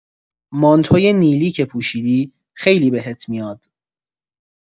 مانتوی نیلی که پوشیدی خیلی بهت می‌آد.